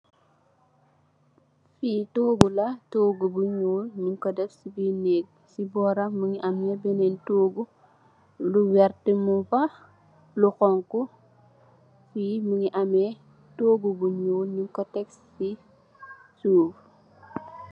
Fii toogu la, toogu bu ñuul, ñung ko tek si birr nëëg. Si bóoram, mu ngi am bénen toogu. Lu werta muñg fa, lu xoñxu. Fii mu ngi amee toogu bu ñuul, ñung ko tek si suuf.